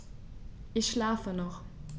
Ich schlafe noch.